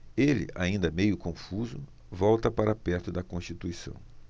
ele ainda meio confuso volta para perto de constituição